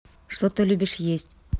что ты любишь есть